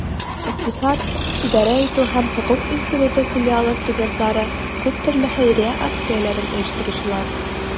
Икътисад, идарә итү һәм хокук институты филиалы студентлары - күп төрле хәйрия акцияләрен оештыручылар.